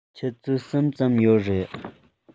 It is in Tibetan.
ཆུ ཚོད གསུམ ཙམ ཡོད རེད